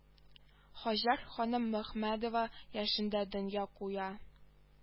Һаҗәр ханым мөхәммәдова яшендә дөнья куя